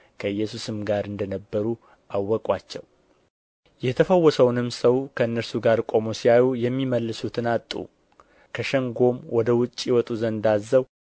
ከኢየሱስም ጋር እንደ ነበሩ አወቁአቸው የተፈወሰውንም ሰው ከእነርሱ ጋር ቆሞ ሲያዩ የሚመልሱትን አጡ ከሸንጎም ወደ ውጭ ይወጡ ዘንድ አዝዘው